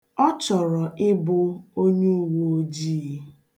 Ọ chọrọ ịbụ onye uweojii.